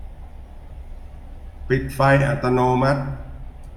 ปิดไฟอัตโนมัติ